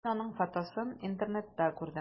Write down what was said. Мин аның фотосын интернетта күрдем.